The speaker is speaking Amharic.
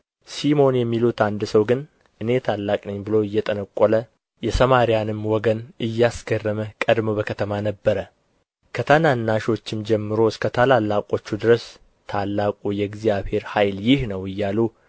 ሲሞን የሚሉት አንድ ሰው ግን እኔ ታላቅ ነኝ ብሎ እየጠነቈለ የሰማርያንም ወገን እያስገረመ ቀድሞ በከተማ ነበረ ከታናናሾችም ጀምሮ እስከ ታላላቆቹ ድረስ ታላቁ የእግዚአብሔር ኃይል ይህ ነው እያሉ